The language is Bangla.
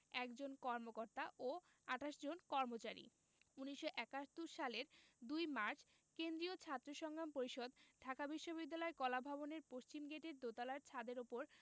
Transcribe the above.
১ জন কর্মকর্তা ও ২৮ জন কর্মচারী ১৯৭১ সালের ২ মার্চ কেন্দ্রীয় ছাত্র সংগ্রাম পরিষদ ঢাকা বিশ্ববিদ্যালয় কলাভবনের পশ্চিমগেটের দোতলার ছাদের উপর